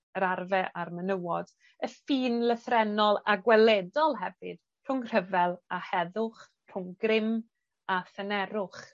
yr arfe, a'r menywod. Y ffin lythrennol a gweledol hefyd rhwng rhyfel a heddwch rhwng grym a thynerwch.